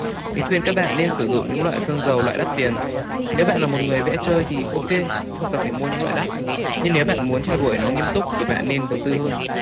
mình khuyên các bạn nên sử dụng sơn dầu đắt tiền nếu bạn là người vẽ chơi thì ok không cần phải mua loại đắt nhưng nếu bạn muốn theo đuổi nó nghiêm túc thì bạn nên đầu tư hơn